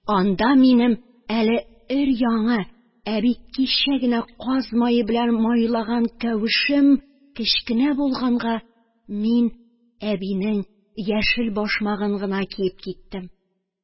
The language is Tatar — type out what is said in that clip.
Анда минем әле өр-яңы, әби кичә генә каз мае белән майлаган кәвешем кечкенә булганга, мин әбинең яшел башмагын гына киеп киттем.